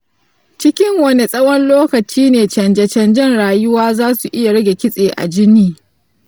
cikin wane tsawon lokaci ne canje-canjen rayuwa za su iya rage kitse a jini?